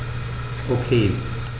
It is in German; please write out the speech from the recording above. Okay.